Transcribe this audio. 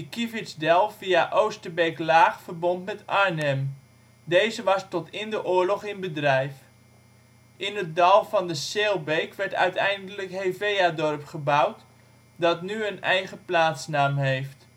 Kievitsdel via Oosterbeek-laag verbond met Arnhem. Deze was tot in de oorlog in bedrijf. In het dal van de Seelbeek werd uiteindelijk Heveadorp gebouwd, dat nu een eigen plaatsnaam heeft